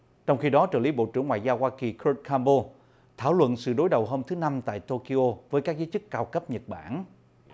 trong khi đó trợ lý bộ trưởng ngoại giao hoa kỳ côn cam bô thảo luận sự đối đầu hôm thứ năm tại tô ki ô với các giới chức cao cấp nhật bản